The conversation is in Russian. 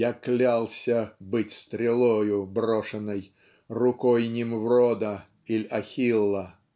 Я клялся быть стрелою, брошенной Рукой Немврода иль Ахилла.